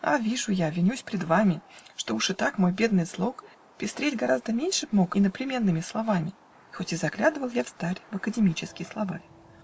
А вижу я, винюсь пред вами, Что уж и так мой бедный слог Пестреть гораздо б меньше мог Иноплеменными словами, Хоть и заглядывал я встарь В Академический словарь.